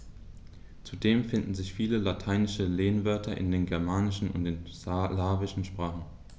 Zudem finden sich viele lateinische Lehnwörter in den germanischen und den slawischen Sprachen.